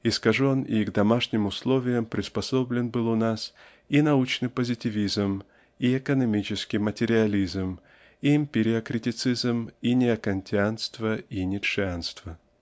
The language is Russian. Искажен и к домашним условиям приспособлен был у нас и научный позитивизм и экономический материализм и эмпириокритицизм и неокантианство и ницшеанство.